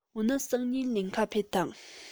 འོ ན སང ཉིན ལེན ག ཕེབས དང